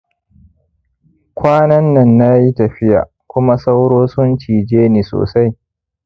kwanan nan nayi tafiya kuma sauro sun cijeni sosai